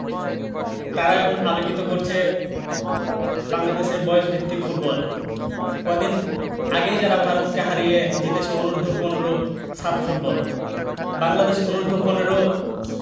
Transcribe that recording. তারা এখন আলোকিত করছে বাংলাদেশের বয়সভিত্তিক ফুটবল কদিন আগেই যারা ভারতকে হারিয়ে জিতেছে অনূর্ধ্ব ১৫ সাফ ফুটবল বাংলাদেশ অনূর্ধ্ব ১৫